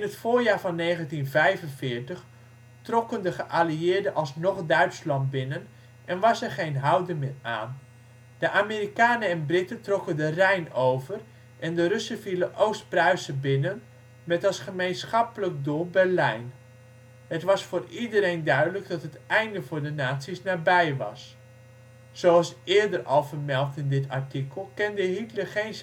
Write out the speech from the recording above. voorjaar van 1945 trokken de geallieerden alsnog Duitsland binnen en was er geen houden meer aan: de Amerikanen en Britten trokken de Rijn over en de Russen vielen Oost-Pruisen binnen met als gemeenschapppelijk doel Berlijn. Het was voor iedereen duidelijk dat het einde voor de nazi 's nabij was. Zoals eerder al vermeld in dit artikel kende Hitler geen